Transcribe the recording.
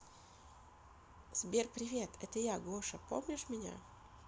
сбер привет это я гоша помнишь меня